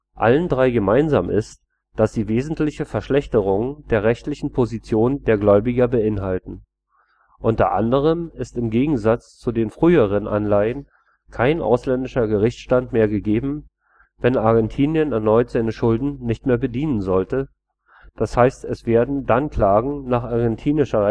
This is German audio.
Allen drei gemeinsam ist, dass sie wesentliche Verschlechterungen der rechtlichen Position der Gläubiger beinhalten. Unter anderem ist im Gegensatz zu den früheren Anleihen kein ausländischer Gerichtsstand mehr gegeben, wenn Argentinien erneut seine Schulden nicht mehr bedienen sollte, das heißt es werden dann Klagen nach argentinischer